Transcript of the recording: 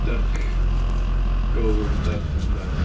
Duck, go duck neu beth bynnag.